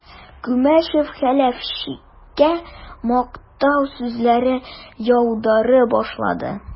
Күмәчев Хәләфчиккә мактау сүзләре яудыра башлады.